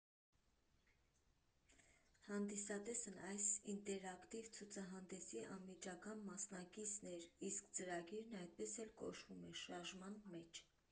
Հանդիսատեսն այս ինտերակտիվ ցուցահանդեսի անմիջական մասնակիցն էր, իսկ ծրագիրն այդպես էլ կոչվում էր՝ «Շարժման մեջ»։